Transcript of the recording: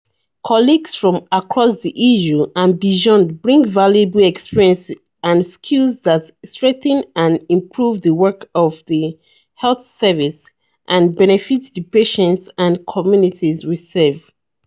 Colleagues from across the EU, and beyond, bring valuable experience and skills that strengthen and improve the work of the health service, and benefit the patients and communities we serve.